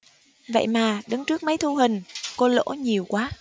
vậy mà đứng trước máy thu hình cô lỗ nhiều quá